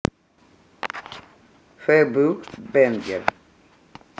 feduk бэнгер